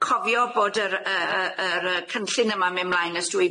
cofio bod yr y y yr y cynllun yma'n myn' mlaen ers dwy